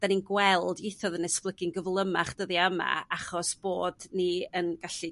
'da ni'n gweld ieithoedd yn esblygu'n gyflymach dyddia' yma achos bod ni yn gallu